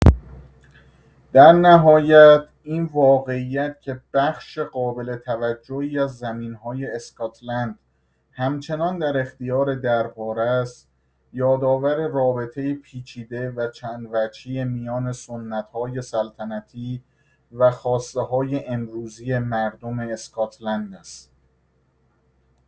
در نهایت، این واقعیت که بخش قابل توجهی از زمین‌های اسکاتلند همچنان در اختیار دربار است، یادآور رابطه پیچیده و چندوجهی میان سنت‌های سلطنتی و خواست‌های امروزی مردم اسکاتلند است.